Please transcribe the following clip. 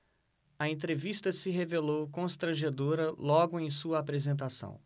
a entrevista se revelou constrangedora logo em sua apresentação